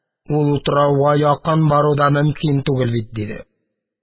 Ул утрауга якын бару да мөмкин түгел бит, – диде.